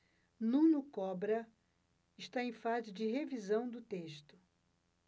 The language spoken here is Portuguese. nuno cobra está em fase de revisão do texto